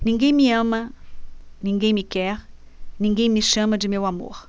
ninguém me ama ninguém me quer ninguém me chama de meu amor